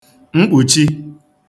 mkpuchi